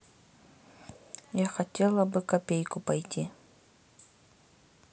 я хотела бы копейку пойти